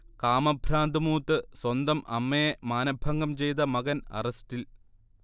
കാമഭ്രാന്ത് മൂത്ത് സ്വന്തം അമ്മയെ മാനഭംഗം ചെയ്ത മകൻ അറസ്റ്റിൽ